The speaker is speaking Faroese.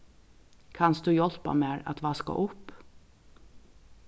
kanst tú hjálpa mær at vaska upp